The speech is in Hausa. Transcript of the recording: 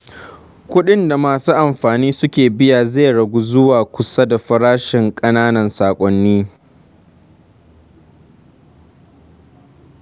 Kuɗin da masu amfani suke biya zai ragu zuwa kusa da farashin ƙananan saƙonni.